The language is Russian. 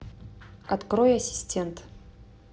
открой ассистент